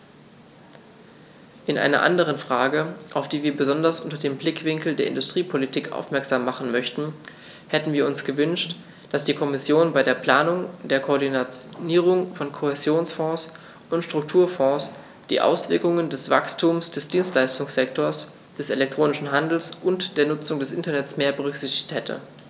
In einer anderen Frage, auf die wir besonders unter dem Blickwinkel der Industriepolitik aufmerksam machen möchten, hätten wir uns gewünscht, dass die Kommission bei der Planung der Koordinierung von Kohäsionsfonds und Strukturfonds die Auswirkungen des Wachstums des Dienstleistungssektors, des elektronischen Handels und der Nutzung des Internets mehr berücksichtigt hätte.